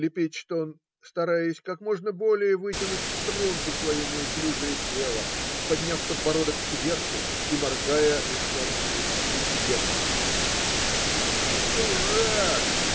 лепечет он, стараясь как можно более вытянуть в струнку свое неуклюжее тело, подняв подбородок кверху и моргая лишенными ресниц веками. - Дурак!